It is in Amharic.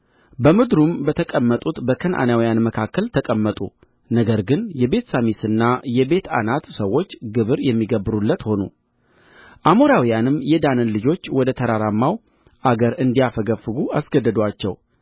በምድሩም በተቀመጡት በከነዓናውያን መካከል ተቀመጡ ነገር ግን የቤትሳሚስና የቤትዓናት ሰዎች ግብር የሚገብሩለት ሆኑ አሞራውያንም የዳንን ልጆች ወደ ተራራማው አገር እንዲያፈገፍጉ አስገደዱአቸው